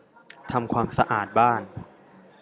ทำความสะอาดบ้าน